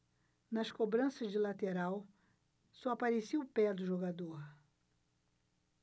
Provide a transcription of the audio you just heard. nas cobranças de lateral só aparecia o pé do jogador